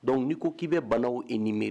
Dɔnku n ni ko k'i bɛ banaw ye nie